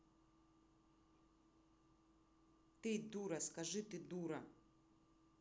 ты дура скажи ты дура